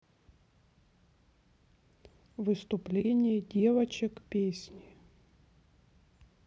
выступление девочек песни